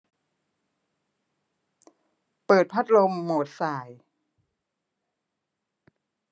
เปิดพัดลมโหมดส่าย